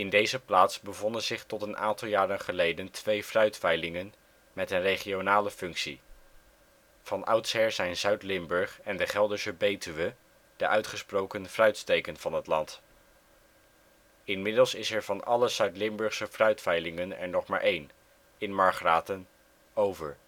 deze plaats bevonden zich tot een aantal jaren geleden twee fruitveilingen, met een regionale functie. (Van oudsher zijn Zuid-Limburg en de Gelderse Betuwe de uitgesproken fruitstreken van het land.) Inmiddels is er van alle Zuid-Limburgse fruitveilingen er nog maar een, in Margraten, over